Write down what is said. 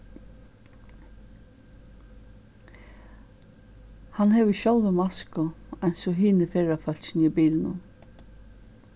hann hevur sjálvur masku eins og hini ferðafólkini í bilinum